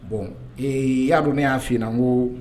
Bon ɛɛ i y'a dɔn, ne y'a f'i ɲɛna ko